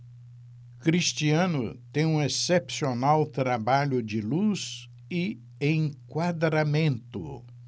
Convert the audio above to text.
cristiano tem um excepcional trabalho de luz e enquadramento